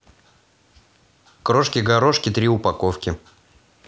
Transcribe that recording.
крошки горошки три упаковки